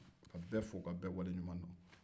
ka bɛɛ fo ka bɛ waleɲuman dɔn